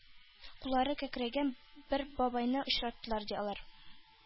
Куллары кәкрәйгән бер бабайны очраттылар, ди, алар.